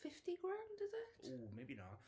Fifty grand, is it? Ww maybe not.